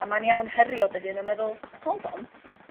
a mae'n iawn herio dy hun a meddwl hold on.